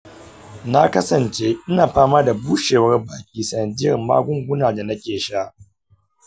na kasance ina fama da bushewar baki sanadiyyar magunguna da nake sha.